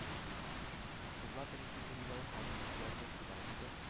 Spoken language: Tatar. Фулла беренче күрүгә үк аның күзләренә игътибар итте